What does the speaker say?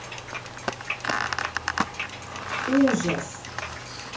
ужас